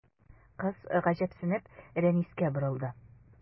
Кыз, гаҗәпсенеп, Рәнискә борылды.